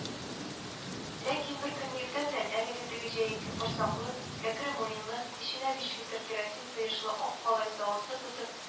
Ләкин беркөнне иртә белән әлеге теге җәенке корсаклы, кәкре муенлы, эченә биш литр керосин сыешлы ак калай савытны тотып